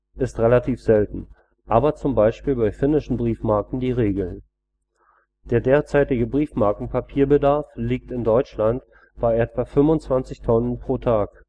ist relativ selten, aber zum Beispiel bei finnischen Briefmarken die Regel. Der derzeitige Briefmarkenpapierbedarf liegt in Deutschland bei etwa 25 Tonnen pro Tag